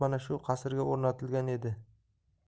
mana shu qasrga o'rnatilgan edi